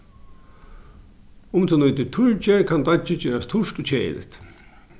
um tú nýtir turrger kann deiggið gerast turt og keðiligt